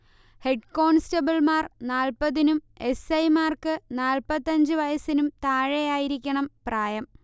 ഹെഡ്കോൺസ്റ്റബിൾമാർ നാല്പതിനും S. I. മാർക്ക് നാപ്പത്തിയഞ്ചു വയസ്സിനും താഴെയായിരിക്കണം പ്രായം